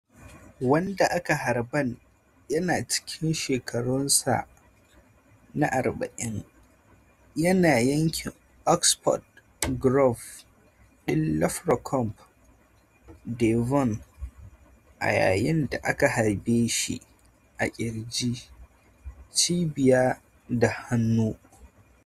Wanda aka harban, yana cikin shekarunsa na 40, yana yankin Oxford Grove din llfracombe, Devon, a yayin da aka harbe shi a kirji, cibiya da hannu.